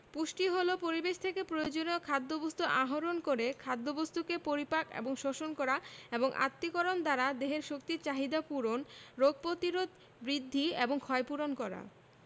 পুষ্টি হলো পরিবেশ থেকে প্রয়োজনীয় খাদ্যবস্তু আহরণ করে খাদ্যবস্তুকে পরিপাক ও শোষণ করা এবং আত্তীকরণ দ্বারা দেহের শক্তির চাহিদা পূরণ রোগ প্রতিরোধ বৃদ্ধি ও ক্ষয়পূরণ করা